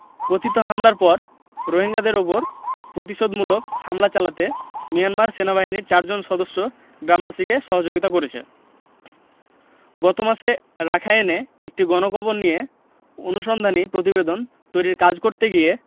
কথিত হামলার পর রোহিঙ্গাদের ওপর প্রতিশোধমূলক হামলা চালাতে মিয়ানমার সেনাবাহিনীর চারজন সদস্য গ্রামবাসীকে সহযোগিতা করেছে গত মাসে রাখাইনে একটি গণকবর নিয়ে অনুসন্ধানী প্রতিবেদন তৈরির কাজ করতে গিয়ে